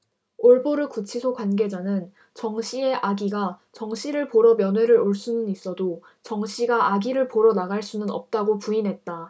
올보르 구치소 관계자는 정 씨의 아기가 정 씨를 보러 면회를 올 수는 있어도 정 씨가 아기를 보러 나갈 수는 없다고 부인했다